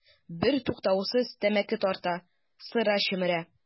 Бертуктаусыз тәмәке тарта, сыра чөмерә.